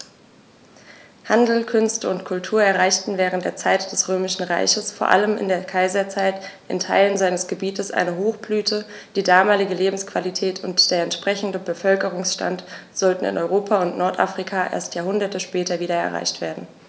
Handel, Künste und Kultur erreichten während der Zeit des Römischen Reiches, vor allem in der Kaiserzeit, in Teilen seines Gebietes eine Hochblüte, die damalige Lebensqualität und der entsprechende Bevölkerungsstand sollten in Europa und Nordafrika erst Jahrhunderte später wieder erreicht werden.